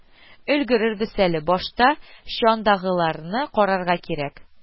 Өлгерербез әле, башта чандагыларны карарга кирәк